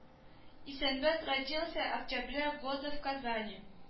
Исәнбәт родился октября года в казани